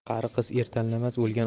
qari qiz er tanlamas